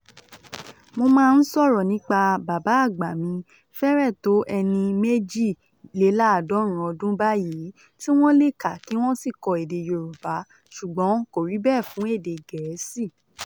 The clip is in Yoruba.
Mo máa ń sọ̀rọ̀ nípa bàbá àgbà mi (fẹ́rẹ̀ tó ẹni ọdún 92 báyìí) tí wọ́n lè kà kí wọ́n sì kọ èdè Yorùbá ṣùgbọ́n kò rí bẹ́ẹ̀ fún èdè Gẹ̀ẹ́sì.